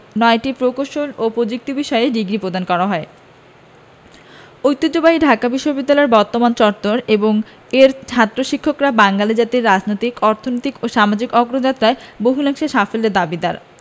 ৯টি প্রকৌশল ও প্রযুক্তি বিষয়ে ডিগ্রি প্রদান করা হয় ঐতিহ্যবাহী ঢাকা বিশ্ববিদ্যালয়ের বর্তমান চত্বর এবং এর ছাত্র শিক্ষকরা বাঙালি জাতির রাজনৈতিক অর্থনৈতিক ও সামাজিক অগ্রযাত্রায় বহুলাংশে সাফল্যের দাবিদার